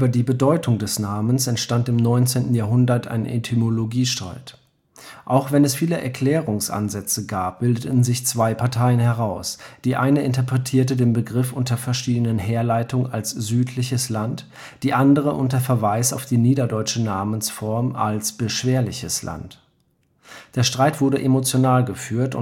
die Bedeutung des Namens entstand im 19. Jahrhundert ein Etymologiestreit. Auch wenn es viele Erklärungsansätze gab, bildeten sich zwei Parteien heraus: die eine interpretierte den Begriff unter verschiedenen Herleitungen als südliches Land, die andere unter Verweis auf die niederdeutsche Namensform als beschwerliches Land. Der Streit wurde emotional geführt